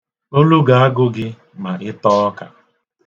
Olu ga-agụ gị ma ị taa ọka.